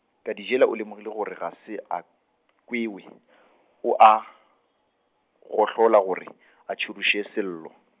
Kadijela o lemogile gore ga se a, kwewe , oa, gohlola gore, a tširoše sello.